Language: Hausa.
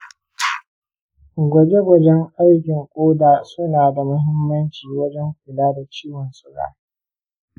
gwaje-gwajen aikin koda suna da muhimmanci wajen kula da ciwon suga.